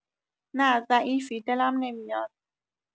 نه ضعیفی دلم نمیاد